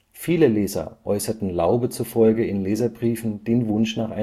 Viele Leser äußerten Laube zufolge in Leserbriefen den Wunsch